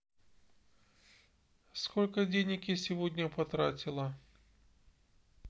сколько денег я сегодня потратила